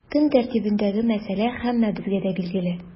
Көн тәртибендәге мәсьәлә һәммәбезгә дә билгеле.